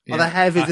Odd e hefyd...